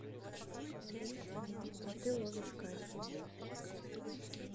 а ты ловишь кайф